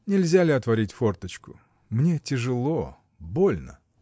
— Нельзя ли отворить форточку?. Мне тяжело, больно!